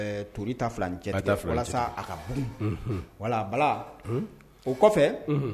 To walasa ka bon wala bala o kɔfɛ